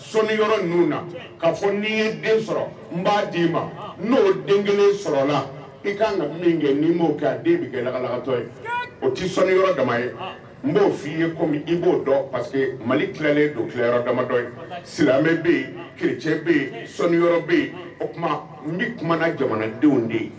Sɔnni yɔrɔ ninnu na ka fɔ n' ye den sɔrɔ n b'a d'i ma n'o den kelen sɔrɔ i ka kan ka min kɛ n b'o kɛ den bɛ kɛ lagalakatɔ ye o tɛ sɔnni yɔrɔ dama ye n b'o f fɔ' i ye komi i b'o dɔn parce que mali tilalen don tilayɔrɔ damatɔ ye silamɛmɛ bɛ yen kerecɛ bɛ yen sanui yɔrɔ bɛ yen o tuma n bɛ kuma na jamanadenw de ye